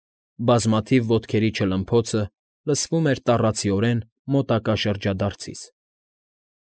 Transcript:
Բազմաթիվ ոտքերի չլմփոցը լսվում էր տառացիորեն մոտակա շրջադարձից։